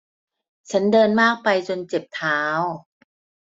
ฉันเดินมากไปจนเจ็บเท้า